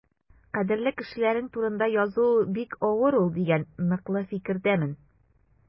Кадерле кешеләрең турында язу бик авыр ул дигән ныклы фикердәмен.